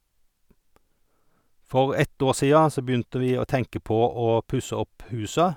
For ett år sia så begynte vi å tenke på å pusse opp huset.